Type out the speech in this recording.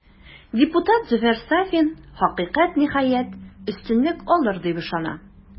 Депутат Зөфәр Сафин, хакыйкать, ниһаять, өстенлек алыр, дип ышана.